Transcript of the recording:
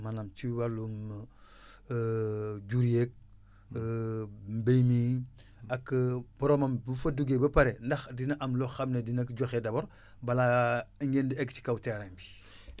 maanaam ci wàllum jur yeeg mbéy mi ak boromam bu fa duggee ba pare ndax dina am loo xam ne dina ko joxe d' abord balaa ngeen di egg si kaw terrain bi